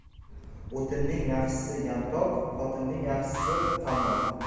o'tinning yaxshisi yantoq xotinning yaxshisi qalmoq